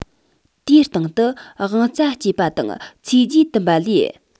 དེའི སྟེང དུ དབང རྩ སྐྱེས པ དང ཚོས རྒྱུས བཏུམ པ ལས